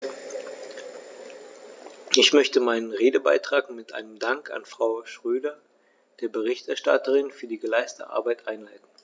Ich möchte meinen Redebeitrag mit einem Dank an Frau Schroedter, der Berichterstatterin, für die geleistete Arbeit einleiten.